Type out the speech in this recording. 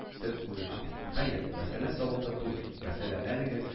Теп куйган. хәер, мәсьәлә савытта түгел, мәсьәлә әлеге